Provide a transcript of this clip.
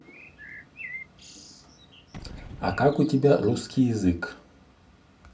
а как у тебя русский язык